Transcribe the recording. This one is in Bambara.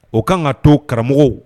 O kan ka to karamɔgɔw